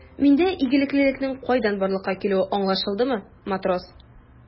Миндә игелеклелекнең кайдан барлыкка килүе аңлашылдымы, матрос?